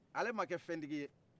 ale ma kɛ fɛntigi ye